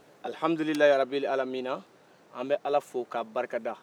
aabe an bɛ ala fo k'a barikada